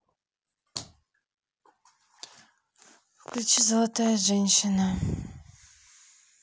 включи золотая женщина